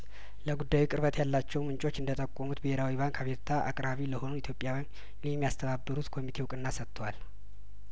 ለጉዳዩ ቅርበት ያላቸውምንጮች እንደጠቆሙት ብሄራዊ ባንክ አቤቱታ አቅራቢ ለሆኑ ኢትዮጵያውያን ለሚያስ ተባብረው ኮሚቴ እውቅና ሰጥቷል